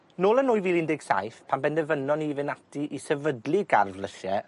Nôl yn nwy fil un deg saith pan benderfynon ni fyn' ati i sefydlu gardd lysie